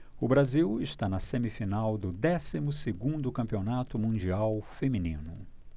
o brasil está na semifinal do décimo segundo campeonato mundial feminino